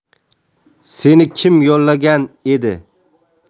seni kim yollagan edi